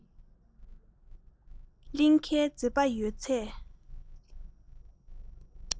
གླིང གའི མཛེས པ ཡོད ཚད